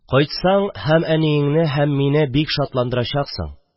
Кайтсаң, һәм әниеңне, һәм мине бик шатландырачаксың.